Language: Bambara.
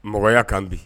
Mɔgɔya kan bi